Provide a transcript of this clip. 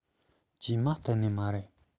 བཅོས མ གཏན ནས མ རེད